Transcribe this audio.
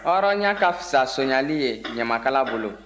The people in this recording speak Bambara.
hɔrɔnya ka fisa sonyali ye ɲamakala bolo